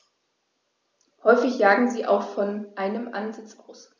Häufig jagen sie auch von einem Ansitz aus.